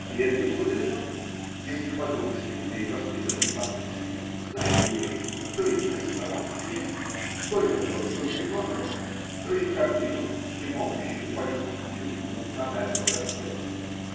И это не мудрено, если подумать, что еврей, воспитанный по-нынешнему, знает о еврействе, т.е. о самом себе, только, то, что видит вокруг, то есть картину, не могущую польстить чувству национального достоинства.